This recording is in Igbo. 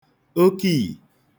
okiì